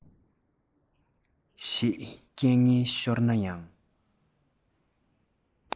ཞེས སྐད ངན ཤོར ན ཡང